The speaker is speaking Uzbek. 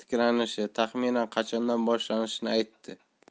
tiklanishi taxminan qachondan boshlanishini aytdi